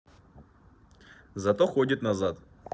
зато ходит назад